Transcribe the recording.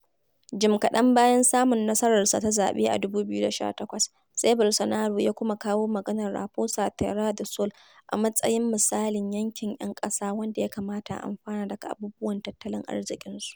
Jim kaɗan bayan samun nasararsa ta zaɓe a 2018, sai Bolsorano ya kuma kawo maganar Raposa Terra do Sol a matsayin misalin yankin 'yan ƙasa wanda ya kamata a amfana daga abubuwan tattalin arziƙinsu.